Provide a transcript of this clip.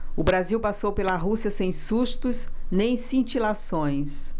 o brasil passou pela rússia sem sustos nem cintilações